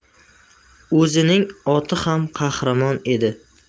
o'zining oti ham qahramon edi